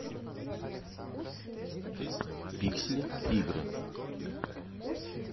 пиксели игры